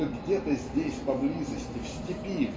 что где-то здесь поблизости в степи